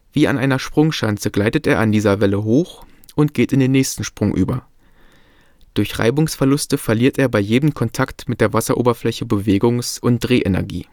Wie an einer Sprungschanze gleitet er an dieser Welle hoch und geht in den nächsten Sprung über. Durch Reibungsverluste verliert er bei jedem Kontakt mit der Wasseroberfläche Bewegungs - und Drehenergie